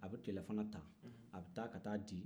a bɛ tilelafana ta a bɛ taa ka taa di